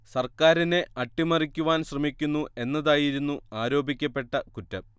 സർക്കാരിനെ അട്ടിമറിക്കുവാൻ ശ്രമിക്കുന്നു എന്നതായിരുന്നു ആരോപിക്കപ്പെട്ട കുറ്റം